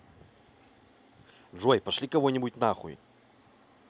джой пошли кого нибудь нахуй